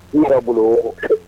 N b'a bolo